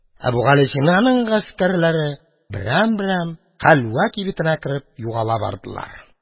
Әбүгалисинаның гаскәрләре берәм-берәм хәлвә кибетенә кереп югала бардылар.